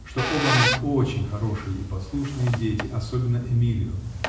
что оба они очень хорошие и послушные дети -- особенно Эмилио.